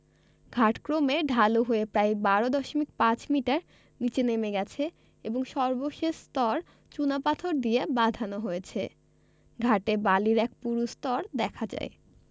ঘাট ক্রমে ঢালু হয়ে প্রায় ১২ দশমিক ৫ মিটার নিচে নেমে গেছে এবং সর্বশেষ স্তর চুনাপাথর দিয়ে বাঁধানো হয়েছে ঘাটে বালির এক পুরু স্তর দেখা যায়